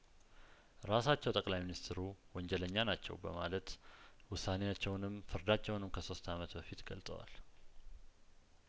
ራሳቸው ጠቅላይ ሚኒስትሩ ወንጀለኛ ናቸው በማለት ውሳኔያቸውንም ፍርዳቸውንም ከሶስት አመት በፊት ገልጠዋል